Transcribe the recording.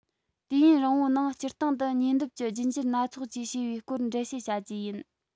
དུས ཡུན རིང པོའི ནང སྤྱིར བཏང དུ ཉེ འདབས ཀྱི རྒྱུད འགྱུར སྣ ཚོགས ཀྱིས བྱས པའི སྐོར འགྲེལ བཤད བྱ རྒྱུ ཡིན